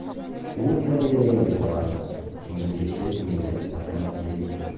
Ул тәрбияләгән бит аларны шундый кече күңелле, мәрхәмәтле итеп.